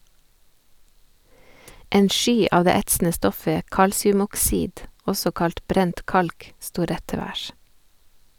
En sky av det etsende stoffet kalsiumoksid, også kalt brent kalk, sto rett til værs.